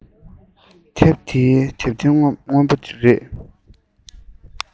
དེབ འདི དེབ ཐིར སྔོན པོ རེད